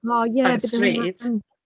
O ie... ar y stryd. ...bydde hwnna yn...